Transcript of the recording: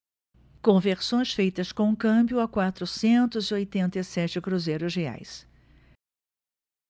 conversões feitas com câmbio a quatrocentos e oitenta e sete cruzeiros reais